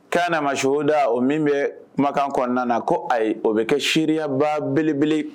K kaana nama si o da o min bɛ kumakan kɔnɔna na ko ayi o bɛ kɛ seyaba belebele